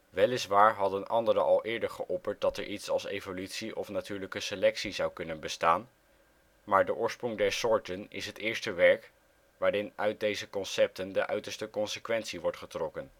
Weliswaar hadden anderen al eerder geopperd dat er iets als evolutie of natuurlijke selectie zou kunnen bestaan, maar De oorsprong der soorten is het eerste werk waarin uit deze concepten de uiterste consequentie wordt getrokken